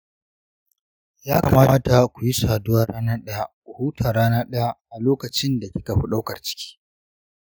ya kamata kuyi saduwa rana daya, ku huta rana ɗaya a lokacin da kika fi daukar ciki.